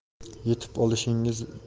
yetib olishingiz bilanoq